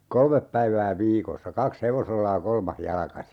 kolme päivää viikossa kaksi hevosella ja kolmas jalkaisin